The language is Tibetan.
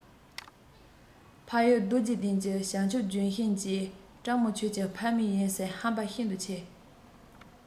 འཕགས ཡུལ རྡོ རྗེ གདན གྱི བྱང ཆུབ ལྗོན ཤིང བཅས སྤྲང མོ ཁྱོད ཀྱི ཕ མེས ཡིན ཟེར བ ཧམ པ ཤིན ཏུ ཆེ